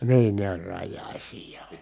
niin ne oli rajaisia ja